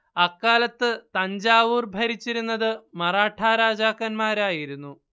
അക്കാലത്ത് തഞ്ചാവൂർ ഭരിച്ചിരുന്നത് മറാഠാ രാജാക്കന്മാരായിരുന്നു